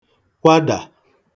kwadà